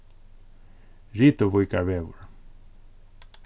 rituvíkarvegur